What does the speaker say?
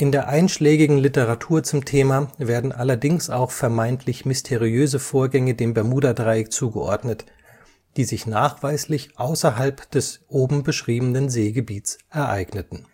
der einschlägigen Literatur zum Thema werden allerdings auch vermeintlich mysteriöse Vorgänge dem Bermudadreieck zugeordnet, die sich nachweislich außerhalb des oben beschriebenen Seegebiets ereigneten